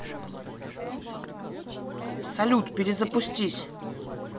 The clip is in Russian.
салют перезапустись